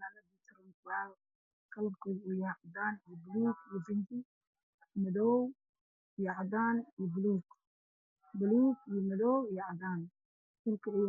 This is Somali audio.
Waa miss waxaa saaran caadada fara badan oo madow iyo caddaan iskugu